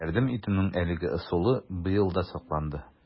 Ярдәм итүнең әлеге ысулы быел да сакланды: